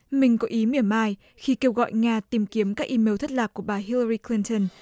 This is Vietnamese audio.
mình có ý mỉa mai khi kêu gọi nga tìm kiếm các i mêu thất lạc của bà hiu la ry cờ lin từn